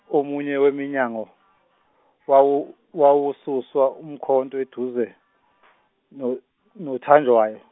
omunye weminyango wawu- wawususa umkhonto eduze no- noThwanjawo.